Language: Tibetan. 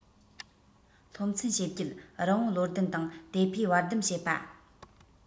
སློབ ཚན ཞེ བརྒྱད རི བོང བློ ལྡན དང དེ ཕོས བར སྡུམ བྱེད པ